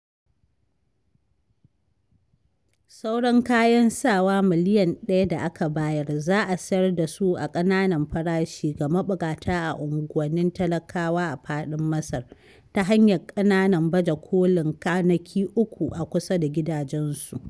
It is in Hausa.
Sauran kayan sawa miliyan ɗaya da aka bayar, za a sayar da su a ƙananan farashi ga mabuƙata a unguwannin talakawa a faɗin Masar, ta hanyar ƙananan baje kolin kwanaki 3 a kusa da gidajensu.